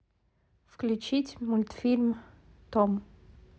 включить мультфильм том